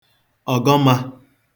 ọ̀gọmā